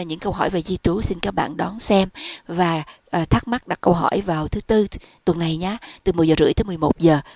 những câu hỏi về di trú xin các bạn đón xem và ai thắc mắc đặt câu hỏi vào thứ tư tuần này giá từ mười giờ rưỡi tới mười một giờ